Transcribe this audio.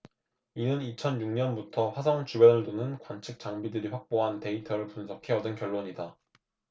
이는 이천 육 년부터 화성 주변을 도는 관측 장비들이 확보한 데이터를 분석해 얻은 결론이다